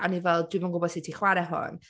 a o’n i fel, dwi’m yn gwybod sut i chwarae hwn.